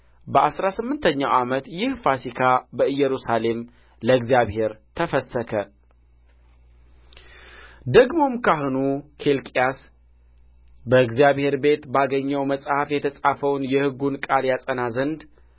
በአሥራ ስምንተኛው ዓመት ይህ ፋሲካ በኢየሩሳሌም ለእግዚአብሔር ተፈሰከ ደግሞም ካህኑ ኬልቅያስ በእግዚአብሔር ቤት ባገኘው መጽሐፍ የተጻፈውን የሕጉን ቃል ያጸና ዘንድ